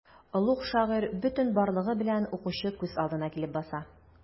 Олуг шагыйрь бөтен барлыгы белән укучы күз алдына килеп баса.